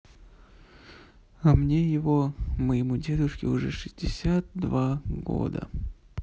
а мне его моему дедушке уже шестьдесят два года